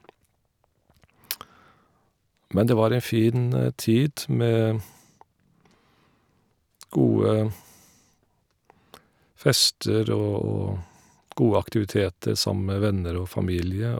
Men det var en fin tid med gode fester og og gode aktiviteter sammen med venner og familie.